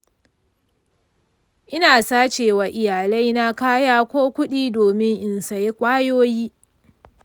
ina sace wa iyalina kaya ko kuɗi domin in sayi ƙwayoyi.